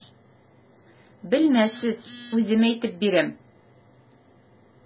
Белмәссез, үзем әйтеп бирәм.